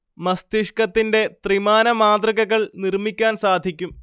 മസ്തിഷ്കത്തിന്റെ ത്രിമാന മാതൃകകൾ നിർമ്മിക്കാൻ സാധിക്കും